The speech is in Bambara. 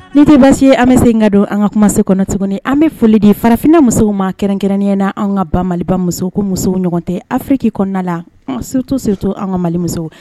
Nin ti basi ye. An bi segin ka don an ka kumaso kɔnɔ tuguni . An bi foli di farafinna musow ma kɛrɛnkɛrɛnnen ya la , anw ka ba Mali muso ko musow ɲɔgɔn tɛ Afrique kɔnɔna la . Surtout, surtout an ka mali musow